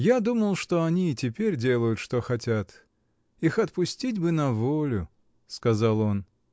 — Я думал, что они и теперь делают, что хотят. Их отпустить бы на волю. — сказал он.